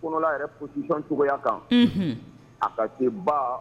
Kɔnɔna yɛrɛ position cogoya kan . Unhun a ka te ban